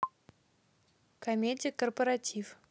комедия корпоратив